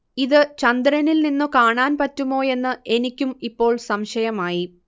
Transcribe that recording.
ഇതു ചന്ദ്രനിൽ നിന്നു കാണാൻ പറ്റുമോയെന്ന് എനിക്കും ഇപ്പോൾ സംശയമായി